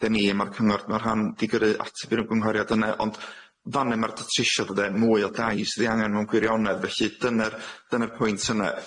Da ni ma'r cyngor ma'r rhan digyru ateb i'r ymgynghoriad yne ond fanne ma'r datrisiad ynde mwy o dais ydi angen mewn gwirionedd felly dyne'r dyne'r pwynt yne.